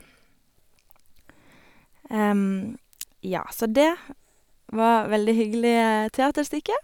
Ja, så det var veldig hyggelig teaterstykke.